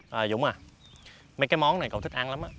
à dũng à mấy cái món này cậu thích ăn lắm á